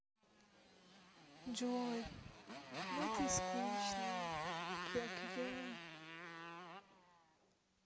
джой ну ты скучная как я